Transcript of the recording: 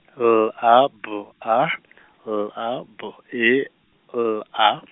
L A B A L A B E L A .